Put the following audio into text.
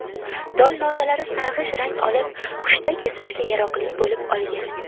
tol novdalari sarg'ish rang olib hushtak yasashga yaroqli bo'lib qolgan